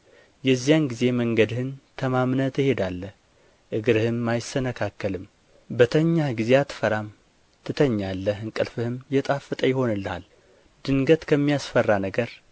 የዚያን ጊዜ መንገድህን ተማምነህ ትሄዳለህ እግርህም አይሰነካከልም በተኛህ ጊዜ አትፈራም ትተኛለህ እንቅልፍህም የጣፈጠ ይሆንልሃል ድንገት ከሚያስፈራ ነገር